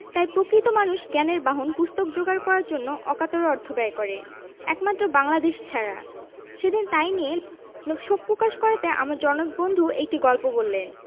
তাই প্রকৃত মানুষ জ্ঞানের বাহন পুস্তক যোগাড় করার জন্য অকাতরে অর্থ ব্যয় করে একমাত্র বাংলাদেশ ছাড়া সেদিন তাই নিয়ে শোকপ্রকাশ করাতে আমার জনৈক বন্ধু একটি গল্প বললেন